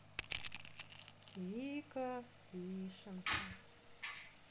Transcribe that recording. вика вишенка